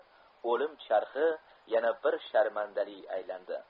o'lim charxi yana bir sharmandali aylandi